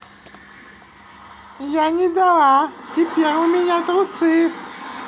я не делала теперь у меня трусы